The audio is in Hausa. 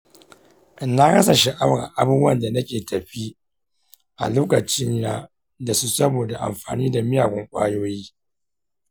na rasa sha'awar abubuwan da nake tafi da lokacina da su saboda amfani da miyagun ƙwayoyi.